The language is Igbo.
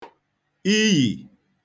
iyì